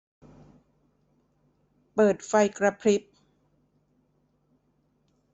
เปิดไฟกระพริบ